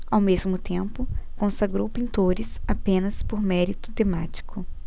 ao mesmo tempo consagrou pintores apenas por mérito temático